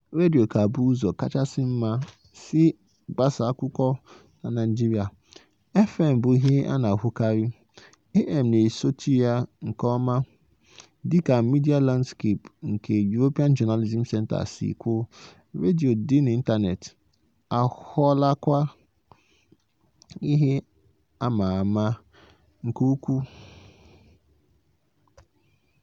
Dịka ọkwa Nigerian Diary Radio Stations Ratings nke ọnwa Ọgọst nke afọ 2019 si kwuo, Bond FM nọ n'ọkwa nke mbụ na steeti Lagos dịka ọdụ ụgbọelu nwere ọtụtụ ndị na-ege ntị.